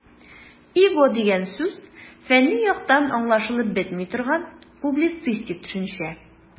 "иго" дигән сүз фәнни яктан аңлашылып бетми торган, публицистик төшенчә.